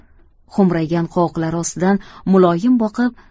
xo'mraygan qovoqlari ostidan muloyim boqib